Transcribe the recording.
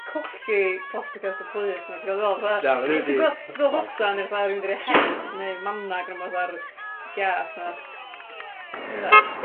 colli plaster cast o clust ... Na ma' rywun 'di... ...ti'n gweld ti'n gweld hosan neu fatha rywun wedi roi hat neu mannag neu rwbath ar giât na ... ia.